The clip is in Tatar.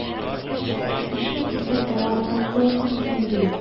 Ничек итеп аңа хат язмыйсың ди!